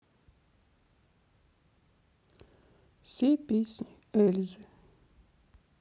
все песни эльзы